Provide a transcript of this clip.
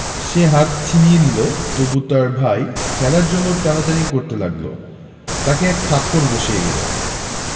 সে হাত ছিনিয়ে নিলে তবু তার ভাই খেলার জন্যে টানাটানি করতে লাগলে তাকে এক থাপ্পড় বসিয়ে দিলে